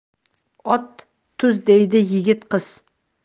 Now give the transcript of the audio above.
ot tuz deydi yigit qiz